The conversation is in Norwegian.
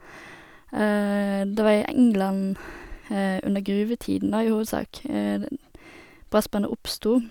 Det var i England under gruvetiden, da, i hovedsak, den brassbandet oppstod.